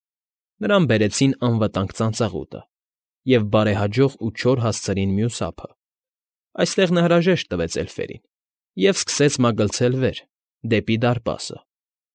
Նրան բերեցին անվտանգ ծանծաղուտը և բարեհաջող ու չոր հասցրին մյուս ափը. այստեղ նա հրաժեշտ տվեց էլֆերին և սկսեց մագլցել վեր, դեպի դարպասը։